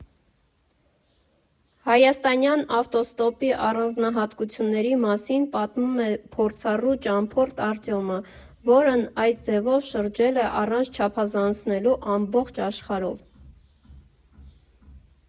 Հայաստանյան ավտոստոպի առանձնահատկությունների մասին պատմում է փորձառու ճամփորդ Արտյոմը, որն այս ձևով շրջել է, առանց չափազանցնելու, ամբողջ աշխարհով։